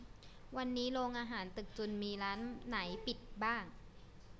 วันนี้โรงอาหารตึกจุลมีร้านไหนปิดบ้าง